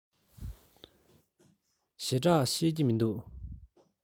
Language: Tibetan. ཞེ དྲགས ཤེས ཀྱི མི འདུག